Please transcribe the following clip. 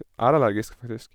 Er allergisk, faktisk.